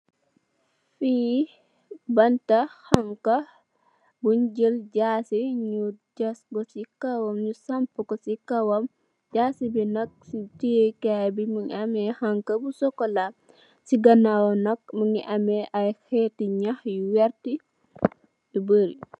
Fi bante xanxa noju sampu jasi ci kawam jasi bi nak japekai bo mugi am bante bo socola ci ganawam mugi am aye njax you ki wour